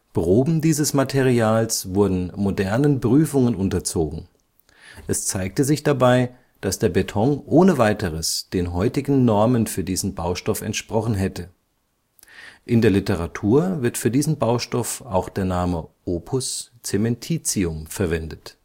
Proben dieses Materials wurden modernen Prüfungen unterzogen; es zeigte sich dabei, dass der Beton ohne weiteres den heutigen Normen für diesen Baustoff entsprochen hätte. In der Literatur wird für diesen Baustoff auch der Name Opus caementitium verwendet